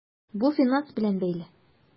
Бу финанс белән бәйле.